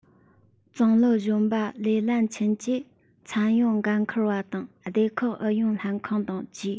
ཙུང ལི གཞོན པ ལེ ལན ཆིན གྱིས ཚན གཙོའི འགན ཁུར བ དང སྡེ ཁག ཨུ ཡོན ལྷན ཁང དང ཅུས